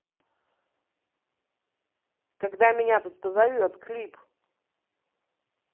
когда меня тут позовет клип